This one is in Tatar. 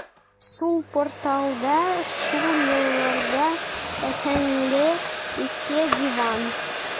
Сул порталда шул елларга аһәңле иске диван.